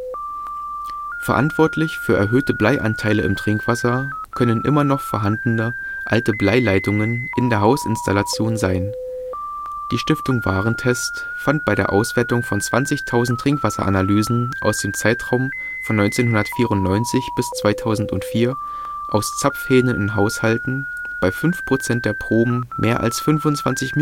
Verantwortlich für erhöhte Bleianteile im Trinkwasser können immer noch vorhandene, alte Bleileitungen in der Hausinstallation sein. Die Stiftung Warentest fand bei der Auswertung von 20.000 Trinkwasseranalysen aus dem Zeitraum von 1994 bis 2004, aus Zapfhähnen in Haushalten, bei fünf Prozent der Proben mehr als 25